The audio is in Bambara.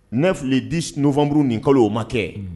9,le 10 novembre nin kalo o ma kɛ